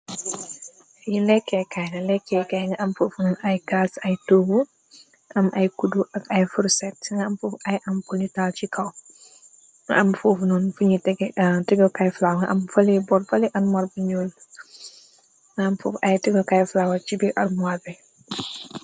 Yi lekkeekaay na lekkeekaay nga am foofu nun ay gaals ay towu am ay kuddu ak ay furset nga am foofu ay am politaw ci kaw gam foof non fuñu tëgo kai flaw am fali bor fali an morbiñul nga am fof ay tëgo kai flawe ci bi armoivebi.